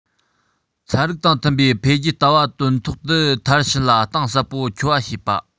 ཚན རིག དང མཐུན པའི འཕེལ རྒྱས ལྟ བ དོན ཐོག ཏུ མཐར ཕྱིན ལ གཏིང ཟབ པོ འཁྱོལ བ བྱེད པ